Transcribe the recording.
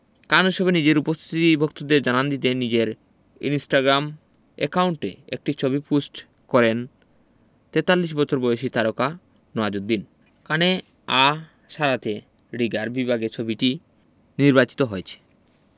কান উৎসবে নিজের উপস্থিতি ভক্তদের জানান দিতে নিজের ইনিস্টাগ্রাম অ্যাকাউন্টে একটি ছবি পোস্ট করেন ৪৩ বছর বয়সী তারকা নওয়াজুদ্দিন কানে আঁ সারাতে রিগার বিভাগে ছবিটি নির্বাচিত হয়েছে